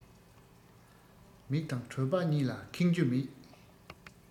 མིག དང གྲོད པ གཉིས ལ ཁེངས རྒྱུ མེད